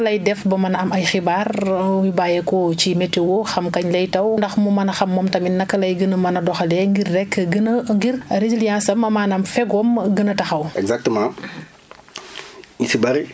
tay ci prévision boobee baykat bi naka lay def ba mën a am ay xibaar yu bàyyeekoo ci météo xam kañ lay taw ndax mu mën a xam moom tamit naka lay gën a mën a doxalee ngir rek gën a ngir résilience am maanaam fegoom gën a taxaw